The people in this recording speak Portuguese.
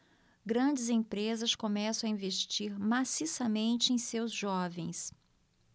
grandes empresas começam a investir maciçamente em seus jovens